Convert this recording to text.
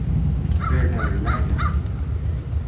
eru tær í lagi